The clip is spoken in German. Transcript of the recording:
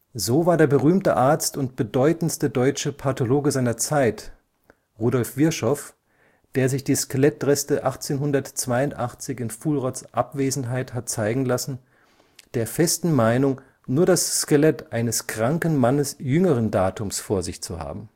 So war der berühmte Arzt und bedeutendste deutsche Pathologe seiner Zeit Rudolf Virchow, der sich die Skelettreste 1872 in Fuhlrotts Abwesenheit hat zeigen lassen, der festen Meinung, nur das Skelett eines kranken Mannes jüngeren Datums vor sich zu haben